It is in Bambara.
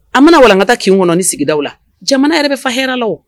An mana walankata kin kɔnɔɔni sigida la jamana yɛrɛ bɛ fa hɛrɛ la